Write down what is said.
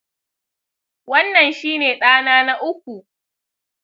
wannan shine dana na uku.